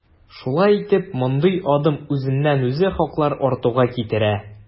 Шулай итеп, мондый адым үзеннән-үзе хаклар артуга китерә.